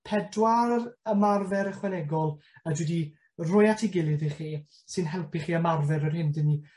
pedwar ymarfer ychwanegol, a dwi 'di roi at 'i gilydd i chi, sy'n helpu chi ymarfer yr hyn 'dyn ni